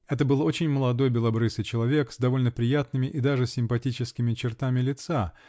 Это был очень молодой белобрысый человек, с довольно приятными и даже симпатическими чертами лица